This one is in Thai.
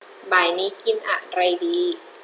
บ่ายนี้กินอะไรดี